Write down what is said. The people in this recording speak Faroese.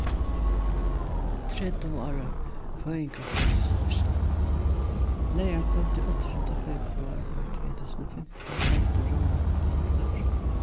tretivu ára føðingardagsveitsla leygarkvøldið áttaogtjúgunda februar í tvey túsund og fimtan heldur róðrarfelagið knørrur